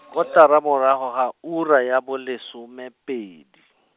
kotara morago ga ura ya bolesome pedi.